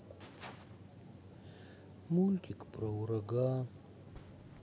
мультик про ураган